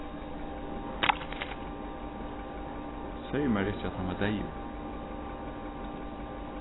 tú segði mær ikki at hann var deyður